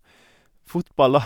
Fotball, da.